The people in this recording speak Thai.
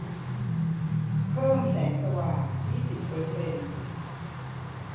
เพิ่มแสงสว่างยี่สิบเปอร์เซ็น